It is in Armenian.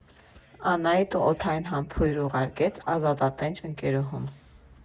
Անահիտը օդային համբույր ուղարկեց ազատատենչ ընկերուհուն։